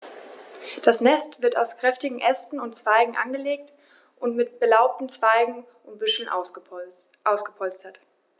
Das Nest wird aus kräftigen Ästen und Zweigen angelegt und mit belaubten Zweigen und Büscheln ausgepolstert.